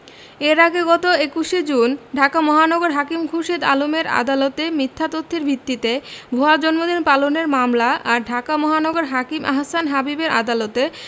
এর আগে গত ২১ জুন ঢাকা মহানগর হাকিম খুরশীদ আলমের আদালতে মিথ্যা তথ্যের ভিত্তিতে ভুয়া জন্মদিন পালনের মামলা আর ঢাকা মহানগর হাকিম আহসান হাবীবের আদালতে